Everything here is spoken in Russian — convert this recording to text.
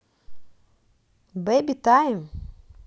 baby time